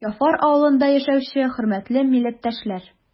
Яфар авылында яшәүче хөрмәтле милләттәшләр!